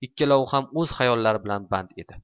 ikkalovi o'z xayollari bilan band edi